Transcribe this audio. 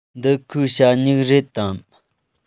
འདི ཁོའི ཞ སྨྱུག རེད དམ